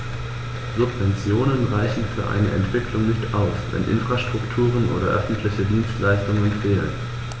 Subventionen reichen für eine Entwicklung nicht aus, wenn Infrastrukturen oder öffentliche Dienstleistungen fehlen.